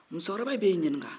musokɔrɔba b'e ɲininka